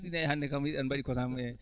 ɗi nayi hannde kam ɗi mbaɗi kosam eeyi